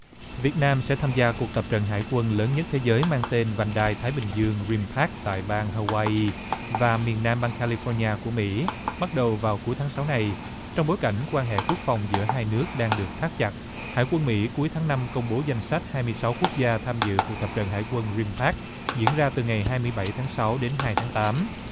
việt nam sẽ tham gia cuộc tập trận hải quân lớn nhất thế giới mang tên vành đai thái bình dương rim pác tại bang ha goai y và miền nam bang ca li phóc ni a của mỹ bắt đầu vào cuối tháng sáu này trong bối cảnh quan hệ quốc phòng giữa hai nước đang được thắt chặt hải quân mỹ cuối tháng năm công bố danh sách hai mươi sáu quốc gia tham dự cuộc tập trận hải quân rim pác diễn ra từ ngày hai mươi bảy tháng sáu đến hai tháng tám